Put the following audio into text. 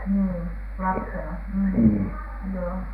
niin lapsena - joo